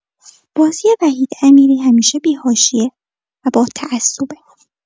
بازی وحید امیری همیشه بی‌حاشیه و با تعصبه.